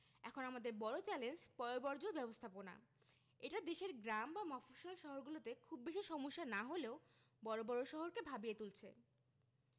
এখন আমাদের বড় চ্যালেঞ্জ পয়ঃবর্জ্য ব্যবস্থাপনা এটা দেশের গ্রাম বা মফস্বল শহরগুলোতে খুব বেশি সমস্যা না হলেও বড় বড় শহরকে ভাবিয়ে তুলছে